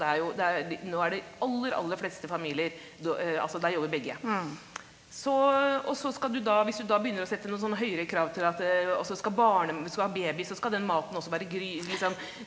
det er jo det er nå er de aller aller fleste familier altså der jobber begge så og så skal du da, hvis du da begynner å sette noen sånne høyere krav til at altså skal du skal ha baby så skal den maten også være liksom.